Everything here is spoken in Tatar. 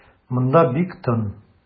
Монда бик тын.